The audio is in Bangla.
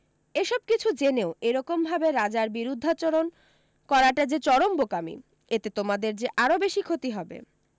এসব কিছু জেনেও এরকম ভাবে রাজার বিরুদ্ধাচরণ করাটা যে চরম বোকামি এতে তোমাদের যে আরো বেশী ক্ষতি হবে